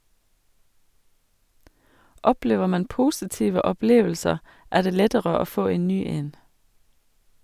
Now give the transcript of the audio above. - Opplever man positive opplevelser er det lettere å få en ny en.